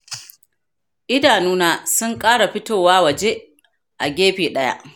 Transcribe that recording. idanun na sun fara fitowa waje a gefe ɗaya.